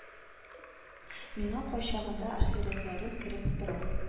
Миңа кайчагында ахирәтләрем кереп утыра